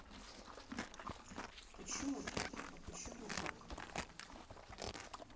почему так а почему так